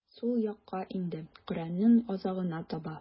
Сул якка инде, Коръәннең азагына таба.